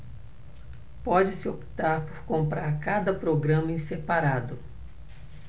pode-se optar por comprar cada programa em separado